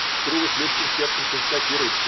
П. В. Струве с легким сердцем констатирует.